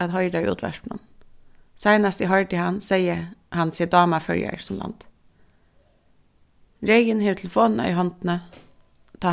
at hoyra í útvarpinum seinast eg hoyrdi hann segði hann seg dáma føroyar sum land regin hevur telefonina í hondini